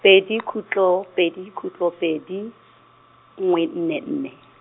pedi khutlo pedi khutlo pedi, nngwe nne nne.